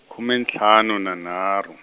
khume ntlhanu na nharhu.